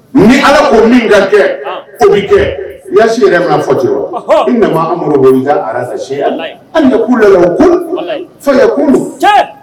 Ni ala ko min ka kɛ ko bɛ kɛ i yasi yɛrɛ' fɔ ni na amadu arazsiya an kuu la ko kunun don